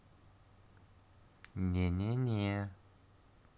не не не